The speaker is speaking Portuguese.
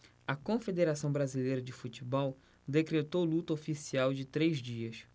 a confederação brasileira de futebol decretou luto oficial de três dias